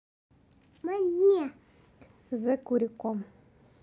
the курико